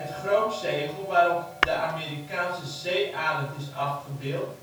grootzegel, waarop de Amerikaanse zeearend is afgebeeld